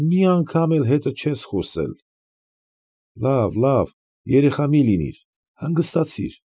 Մի անգամ էլ հետը չես խոսել։ Լավ, լավ, երեխա մի լինիր, հանգստացիր։